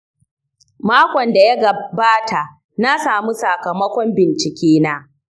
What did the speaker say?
makon da ya gabata na samu sakamakon bincike na.